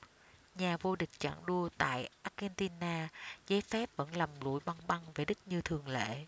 nhà vô địch chặng đua tại argentina giấy phép vẫn lầm lũi băng băng về đích như thường lệ